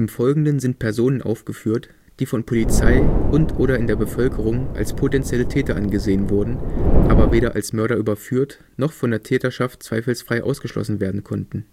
Folgenden sind Personen aufgeführt, die von Polizei und/oder in der Bevölkerung als potenzielle Täter angesehen wurden, aber weder als Mörder überführt noch von der Täterschaft zweifelsfrei ausgeschlossen werden konnten